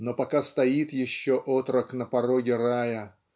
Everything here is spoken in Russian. Но пока стоит еще отрок на пороге рая